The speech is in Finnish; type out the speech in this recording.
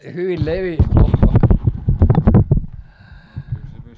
ohhoh